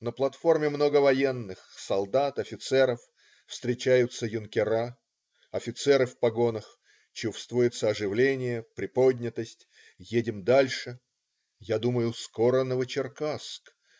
На платформе много военных: солдат; офицеров, встречаются юнкера. Офицеры в погонах. Чувствуется оживление. Приподнятость. Едем дальше. Я думаю: "Скоро Новочеркасск.